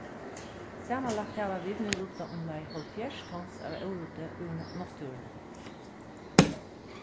samanlagt hava vit nú ruddað umleið hálvfjerðs tons av óruddi úr náttúruni